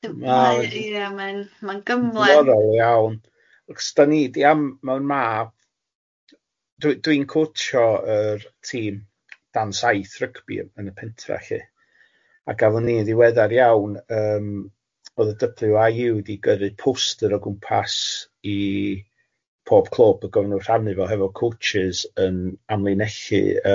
Mae ia mae'n mae'n gymhlet... Moro iawn achos dan ni di am mewn mab, dwi dwi'n coatsio yr tîm dan saith rygbi yn y pentref lly a gafon ni yn ddiweddar iawn yym oedd y WIU wedi gyrru poster o gwmpas i pob clwb y gofyn nhw rhannu fo hefo coaches yn amlinellu yym